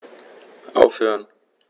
Aufhören.